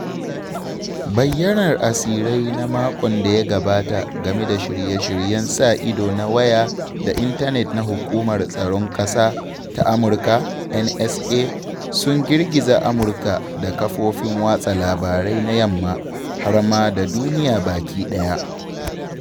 Bayyanar asirai na makon da ya gabata game da shirye-shiryen sa ido na waya da intanet na Hukumar Tsaron Ƙasa ta Amurka (NSA) sun girgiza Amurka da kafofin watsa labarai na yamma, har ma da duniya baki ɗaya.